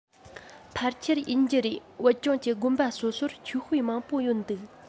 ཕལ ཆེར ཡིན གྱི རེད བོད ལྗོངས ཀྱི དགོན པ སོ སོར ཆོས དཔེ མང པོ ཡོད འདུག